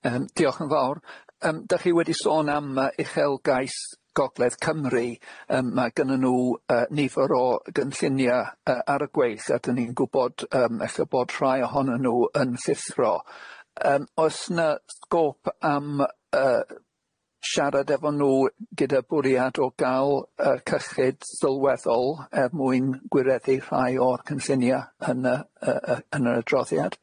Yym diolch yn fawr yym dach chi wedi sôn am y Uchelgais Gogledd Cymru yym ma' gynnyn nw yy nifer o gynllunia yy ar y gweill a dan ni'n gwbod yym ella bod rhai ohonyn nw yn llithro yym oes na sgôp am yy siarad efo nw gyda bwriad o ga'l yy cyllid sylweddol er mwyn gwireddu rhai o'r cynllunia yn y yy yn yr adroddiad?